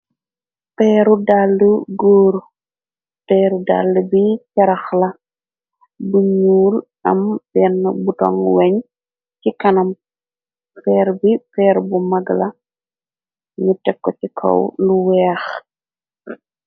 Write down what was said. peeru dalu gooru peeru dal bi carax la bu ñuul am benn bu toŋg weñ ci kanam peer bi peer bu magla ñu tekko ci kaw lu weex.